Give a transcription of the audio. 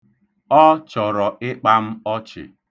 Ọ chọrọ ịkpa m ọchị.